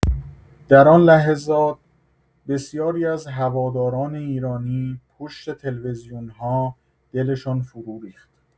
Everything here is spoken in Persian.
در آن لحظات بسیاری از هواداران ایرانی پشت تلویزیون‌ها دلشان فروریخت.